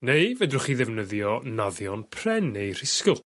Neu fedrwch chi ddefnyddio naddion pren neu rhisgl.